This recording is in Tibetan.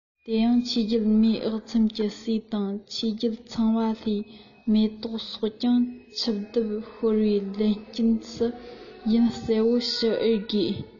དེ མཚུངས ཆོས རྒྱལ མེས ཨག ཚོམ གྱི སྲས དང ཆོས རྒྱལ ཚངས པ ལྷའི མེ ཏོག སོགས ཀྱང ཆིབས བརྡབས ཤོར བའི ལན རྐྱེན སུ ཡིན གསལ པོ ཞུ ཨེ དགོས